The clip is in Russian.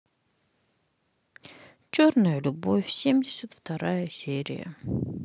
черная любовь семьдесят вторая серия